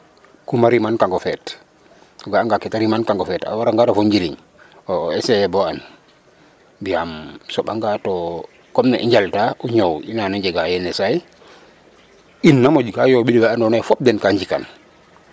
Kum a rimankang o feet, o ga'anga ke ta rimankang ofeet a waranga ref o njiriñ o essayer bo and yaam a soɓanga to comme ne i njalta o ñoow i naan o njega yenisaay i naa moƴka yooɓid we andoona yee fop den kaa njikan.